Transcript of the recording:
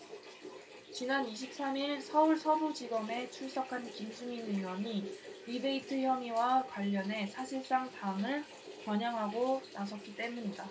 지난 이십 삼 일 서울서부지검에 출석한 김수민 의원이 리베이트 혐의와 관련해 사실상 당을 겨냥하고 나섰기 때문이다